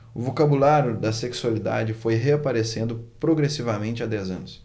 o vocabulário da sexualidade foi reaparecendo progressivamente há dez anos